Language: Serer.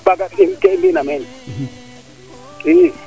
ba ga kee i mbina meen i